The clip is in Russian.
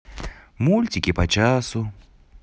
мультики по часу